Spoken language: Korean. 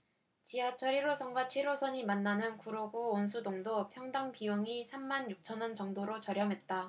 지하철 일 호선과 칠 호선이 만나는 구로구 온수동도 평당 비용이 삼 만 육천 원 정도로 저렴했다